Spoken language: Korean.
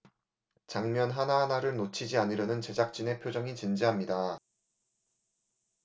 장면 하나하나를 놓치지 않으려는 제작진의 표정이 진지합니다